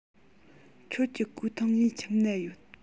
ཁྱོད ཀྱི གོས ཐུང ངའི ཁྱིམ ན ཡོད